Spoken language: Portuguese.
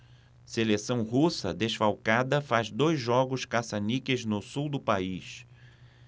seleção russa desfalcada faz dois jogos caça-níqueis no sul do país